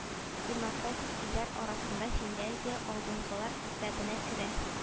Демократик илләр арасында финляндия алдынгылар исәбенә керә